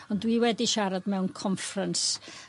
Ond dwi wedi siarad mewn conference